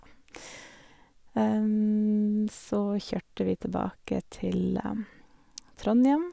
Så kjørte vi tilbake til Trondhjem.